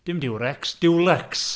Dim Durex, Dulux.